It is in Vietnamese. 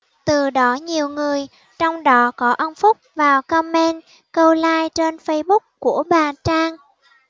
từ đó nhiều người trong đó có ông phúc vào comment câu like trên facebook của bà trang